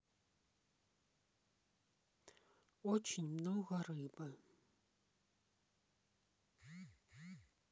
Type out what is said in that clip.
очень много рыбы